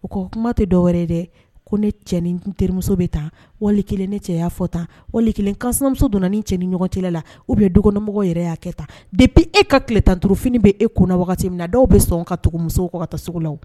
U kɔ kuma tɛ dɔw wɛrɛ dɛ ko ne cɛn ni terimuso bɛ tan wali kelen ne cɛ y'a fɔ tan wali kelen kanmuso donna cɛn ni ɲɔgɔn ci la u bɛ dɔgɔnkɔnɔmɔgɔ yɛrɛ y' kɛ tan depi e ka tile tanurufini bɛ e kun na wagati min na dɔw bɛ sɔn kacogomuso kɔ ka taa sugu la